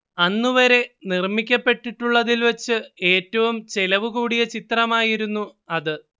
അന്നുവരെ നിർമ്മിക്കപ്പെട്ടിട്ടുള്ളതിൽവച്ച് ഏറ്റവും ചെലവുകൂടിയ ചിത്രമായിരുന്നു അത്